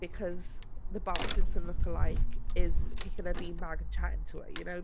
because the Bart Simpson lookalike is kicking her beanbag and chatting to her, you know?